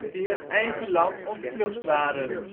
die hun eigen land ontvlucht waren